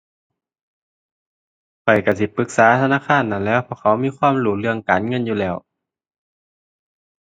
ข้อยก็สิปรึกษาธนาคารนั่นแหล้ว เพราะเขามีความรู้เรื่องการเงินอยู่แล้ว ⁠